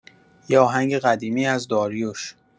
یه آهنگ قدیمی از داریوش